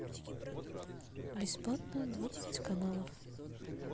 бесплатные двадцать каналов